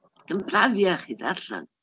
Yn brafiach i ddarllen.